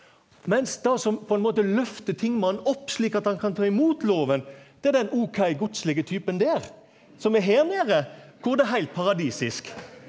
mens det som på ein måte løfter tingmannen opp slik at han kan ta imot loven det er den ok godslege typen der som er her nede kor det er heilt paradisisk.